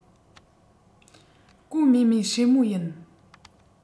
ཀུའོ མའེ མའེ སྲས མོ ཡིན